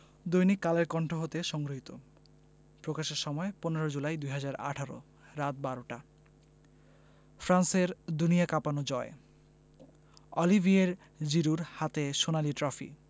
দৈনিক কালের কন্ঠ হতে সংগৃহীত প্রকাশের সময় ১৫ জুলাই ২০১৮ রাত ১২টা ফ্রান্সের দুনিয়া কাঁপানো জয় অলিভিয়ের জিরুর হাতে সোনালি ট্রফি